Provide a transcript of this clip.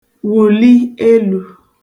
-wùlị elū